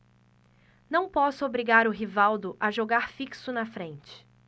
não posso obrigar o rivaldo a jogar fixo na frente